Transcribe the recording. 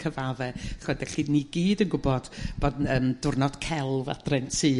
cyfadde ch'od 'dech chi... Ni gyd yn gwybod bo' n- yrm diwrnod celf adre'n ty